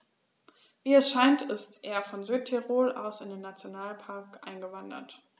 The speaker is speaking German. Wie es scheint, ist er von Südtirol aus in den Nationalpark eingewandert.